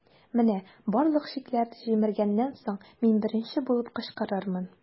Менә барлык чикләрне җимергәннән соң, мин беренче булып кычкырырмын.